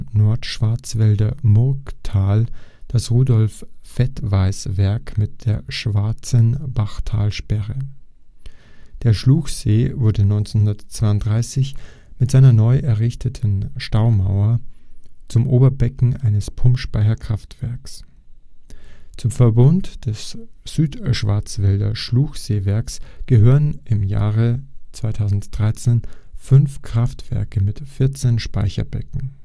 Nordschwarzwälder Murgtal das Rudolf-Fettweis-Werk mit der Schwarzenbachtalsperre. Der Schluchsee wurde 1932 mit seiner neu errichteten Staumauer zum Oberbecken eines Pumpspeicherkraftwerks. Zum Verbund des Südschwarzwälder Schluchseewerks gehören im Jahr 2013 fünf Kraftwerke mit 14 Speicherbecken